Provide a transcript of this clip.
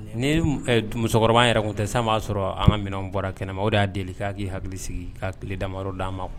Ni musokɔrɔba yɛrɛ tun tɛ san b'a sɔrɔ minnu bɔra kɛnɛma o y'a deli k'a k'i hakili sigi k'a tilele da d'a ma kuwa